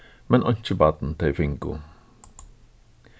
men einki barn tey fingu